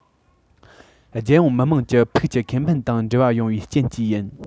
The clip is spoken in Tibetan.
རྒྱལ ཡོངས མི དམངས ཀྱི ཕུགས ཀྱི ཁེ ཕན དང འབྲེལ བ ཡོད པའི རྐྱེན གྱིས ཡིན